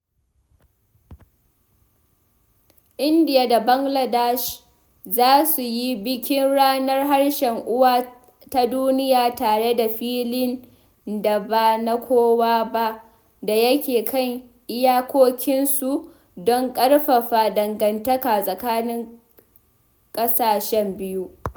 Indiya da Bangladesh za su yi bikin Ranar Harshen Uwa ta Duniya tare a filin da ba na kowa ba da yake kan iyakokinsu don ƙarfafa dangantaka tsakanin ƙasashen biyu.